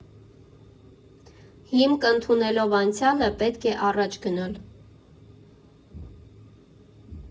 Հիմք ընդունելով անցյալը՝ պետք է առաջ գնալ։